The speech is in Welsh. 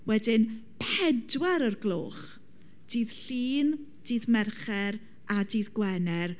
Wedyn pedwar o'r gloch. Dydd Llun, dydd Mercher a dydd Gwener.